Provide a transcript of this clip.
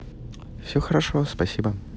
все хорошо спасибо